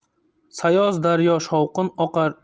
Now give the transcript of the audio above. sayoz daryo shovqin oqar